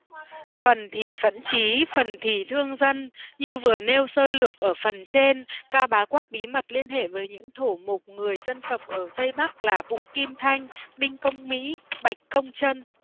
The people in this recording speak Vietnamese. phần thì phẫn chí phần thì thương dân như vừa nêu sơ lược ở phần trên cao bá quát bí mật liên hệ với những thổ mục người dân tộc ở tây bắc là vũ kim thanh đinh công mỹ bạch công trân